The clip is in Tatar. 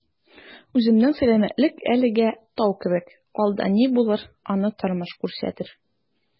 Үземнең сәламәтлек әлегә «тау» кебек, алда ни булыр - аны тормыш күрсәтер...